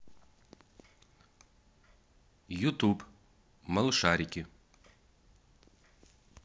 ютуб малышарики